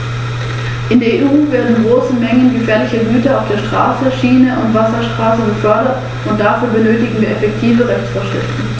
Wir erhoffen uns daher vom Strukturfondsprogramm nicht nur eine wirtschaftliche Umstrukturierung, sondern eine weitreichendere Verbesserung der wirtschaftlichen Basis des Landesteils.